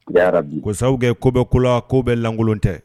Saw kɛ ko kosɛbɛ ko la ko bɛ lankolon tɛ